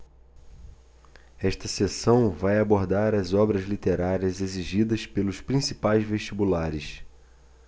esta seção vai abordar as obras literárias exigidas pelos principais vestibulares